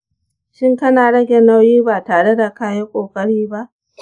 shin kana rage nauyi ba tare da ka yi ƙoƙari ba?